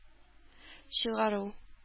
Чыгару